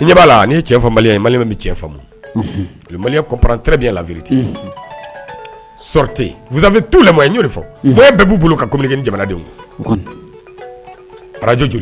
i b'a la ni cɛ faya mali min bɛ cɛ faamumuya kɔptɛre bɛ lafibi ten tɛzv lao de fɔ o ye bɛɛ b'u bolo ka jamanadenw arajj